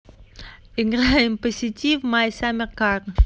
играем по сети в my summer car